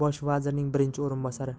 bosh vazirning birinchi o'rinbosari